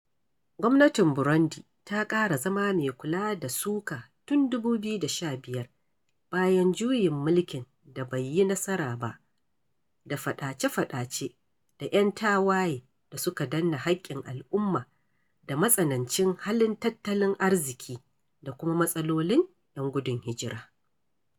Gwamnatin Burundi ta ƙara zama mai kula da suka tun 2015, bayan juyin mulkin da bai yi nasara ba dafaɗace-faɗace da 'yan tawaye da suka danne haƙƙin al'umma da matsanancin halin tattalin arziƙi da kuma matsalolin 'yan gudun hijira.